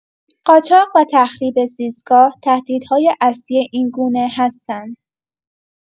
قاچاق و تخریب زیستگاه، تهدیدهای اصلی این گونه هستند.